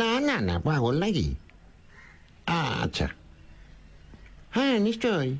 না না না পাগল নাকি আচ্ছা হ্যাঁ নিশ্চয়ই